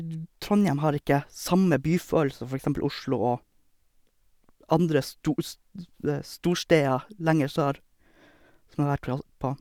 Trondhjem har ikke samme byfølelse som for eksempel Oslo og andre stos storsteder lenger sør som jeg har vært all på.